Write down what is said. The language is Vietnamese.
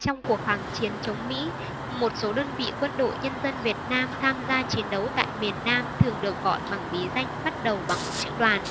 trong cuộc kháng chiến chống mỹ một số đơn vị quân đội nhân dân việt nam tham gia chiến đấu tại miền nam thường được gọi bằng bí danh bắt đầu bằng chữ đoàn